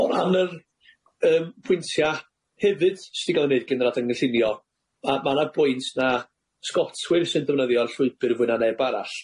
O ran yr yym pwyntia' hefyd s- sy 'di ga'l 'i neud gan yr Adran Gynllunio, ma' ma' 'na bwynt na 'sgotwyr sy'n defnyddio'r llwybyr fwy na neb arall.